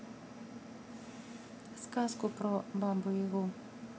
сказку про бабу ягу